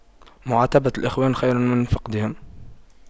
معاتبة الإخوان خير من فقدهم